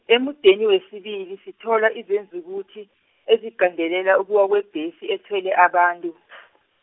emudeni wesibili sithola izenzukuthi, ezigandelela ukuwa kwebhesi, ethwele abantu .